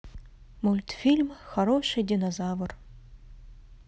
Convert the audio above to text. мультфильм хороший динозавр